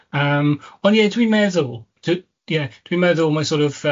yym. Ond ie dwi meddwl dw-, ie, dwi'n meddwl mae sor' of yym